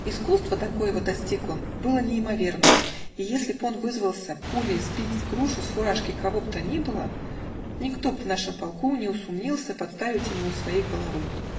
Искусство, до коего достиг он, было неимоверно, и если б он вызвался пулей сбить грушу с фуражки кого б то ни было, никто б в нашем полку не усумнился подставить ему своей головы.